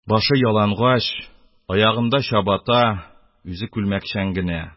Башы ялангач, аягында чабата, үзе күлмәкчән генә,